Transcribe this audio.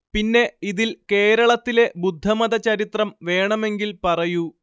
പിന്നെ ഇതിൽ കേരളത്തിലെ ബുദ്ധമത ചരിത്രം വേണമെങ്കിൽ പറയൂ